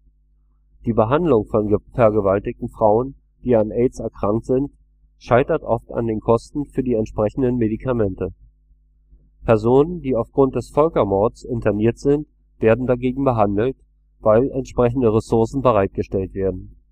Die Behandlung von vergewaltigten Frauen, die an AIDS erkrankt sind, scheitert oft an den Kosten für die entsprechenden Medikamente. Personen, die auf Grund des Völkermords interniert sind, werden dagegen behandelt, weil entsprechende Ressourcen bereitgestellt werden